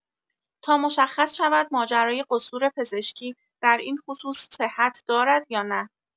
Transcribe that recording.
تا مشخص شود ماجرای قصور پزشکی در این خصوص صحت دارد یا نه.